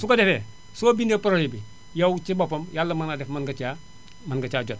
su ko defee soo bindee projet bi yow ci boppam yàlla mën naa def mën nga caa mën nga caa jot